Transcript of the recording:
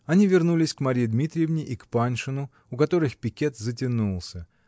Они вернулись к Марье Дмитриевне и к Паншину, у которых пикет затянулся.